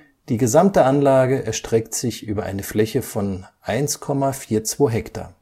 Die gesamte Anlage erstreckt sich über eine Fläche von 1,42 Hektar